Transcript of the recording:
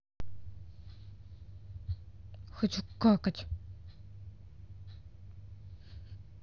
хочу какать